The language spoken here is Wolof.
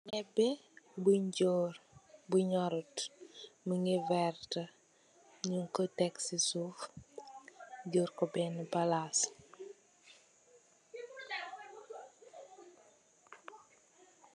nèbbe bun jorr bu nurut, mungi verte nyunko tek ci suf, jorko ben Palace.